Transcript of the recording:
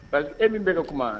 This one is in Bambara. Basi e min bɛ ka kuma